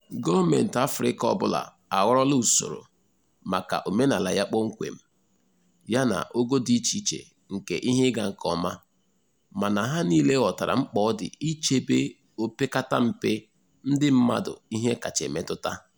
Gọọmenti Afrịka ọbụla ahọrọla usoro maka omenala ya kpọmkwem, ya na ogo dị icheiche nke ihe ịga nke ọma, mana ha niile ghọtara mkpa ọ dị ichebe opekata mpe ndị mmadụ ihe kacha emetụta.